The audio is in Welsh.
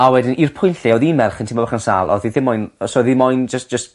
A wedyn i'r pwynt lle odd un merch yn timlo bach yn sal odd 'i ddim moyn o so odd 'i moyn jys jyst